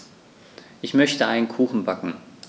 Ich möchte einen Kuchen backen.